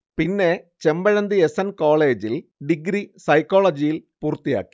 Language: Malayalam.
പിന്നെ, ചെമ്പഴന്തി എസ്. എൻ. കോളേജിൽ ഡിഗ്രി സൈക്കോളജിയിൽ പൂർത്തിയാക്കി